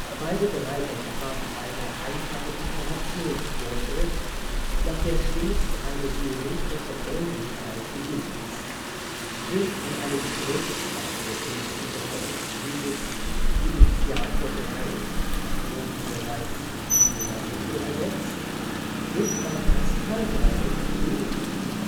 Beide Dreiecke haben eine einfache Iterationsvorschrift, nach der stets eine geometrische Ähnlichkeit gegeben ist: wird in einem Schritt beim Sierpinski-Dreieck jedes Initiatordreieck nach oben bereits beschriebener Regel ersetzt, wird beim Pascal-Dreieck lediglich die